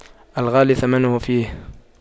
الغالي ثمنه فيه